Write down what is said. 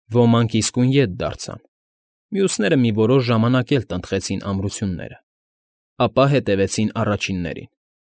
Ոմանք իսկույն ետ դարձան, մյուսները մի որոշ ժամանակ էլ տնտղեցին ամրությունները, ապա հետևեցին առաջիններին։